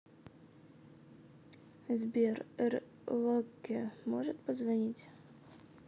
сбер r lykke может позвонить